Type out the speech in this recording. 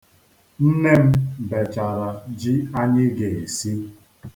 Nne m bechara ji anyị ga-esi.